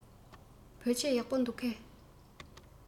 བོད ཆས ཡག པོ འདུག གས